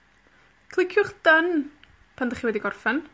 Cliciwch Done pan 'dach chi wedi gorffen.